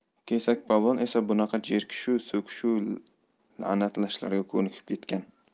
kesakpolvon esa bunaqa jerkishu so'kishu la'natlashlarga ko'nikib ketgan